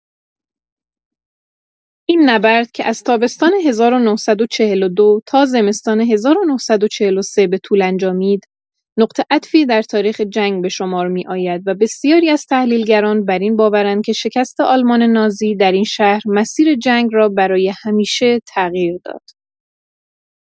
این نبرد که از تابستان ۱۹۴۲ تا زمستان ۱۹۴۳ به طول انجامید، نقطه عطفی در تاریخ جنگ به شمار می‌آید و بسیاری از تحلیلگران بر این باورند که شکست آلمان نازی در این شهر مسیر جنگ را برای همیشه تغییر داد.